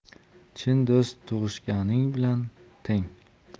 chin do'st tug'ishganing bilan teng